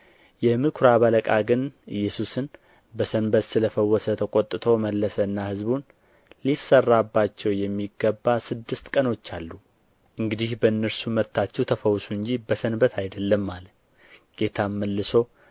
የምኵራብ አለቃ ግን ኢየሱስ በሰንበት ስለ ፈወሰ ተቈጥቶ መለሰና ሕዝቡን ሊሠራባቸው የሚገባ ስድስት ቀኖች አሉ እንግዲህ በእነርሱ መጥታችሁ ተፈወሱ እንጂ በሰንበት አይደለም አለ ጌታም መልሶ